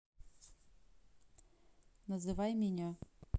называй меня